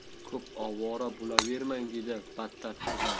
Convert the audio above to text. ko'p ovora bo'lavermang dedi battar qizarib